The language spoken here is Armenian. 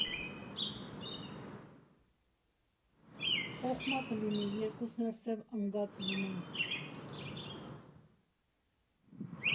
Խոխմա կլինի՝ երկուսն էլ սև ընգած լինեն»։